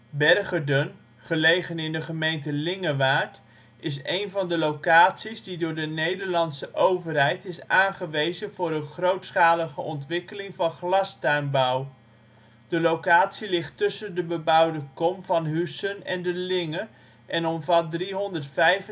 Bergerden, gelegen in de gemeente Lingewaard, is een van de locaties die door de Nederlandse overheid is aangwezen voor de grootschalige ontwikkeling van glastuinbouw. De locatie ligt tussen de bebouwde kom van Huissen en de Linge en omvat 335